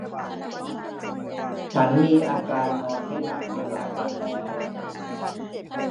ฉันมีอาการนอนไม่หลับมาหลายวันแล้ว